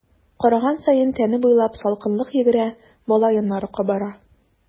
Караган саен тәне буйлап салкынлык йөгерә, бала йоннары кабара.